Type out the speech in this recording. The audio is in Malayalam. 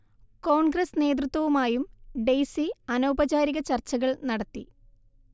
കോൺഗ്രസ് നേതൃത്വവുമായും ഡെയ്സി അനൗപചാരിക ചർച്ചകൾ നടത്തി